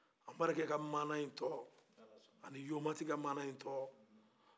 anbarike ka mana in tɔ ani yomati ka mana in tɔ